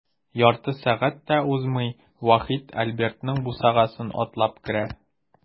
Ярты сәгать тә узмый, Вахит Альбертның бусагасын атлап керә.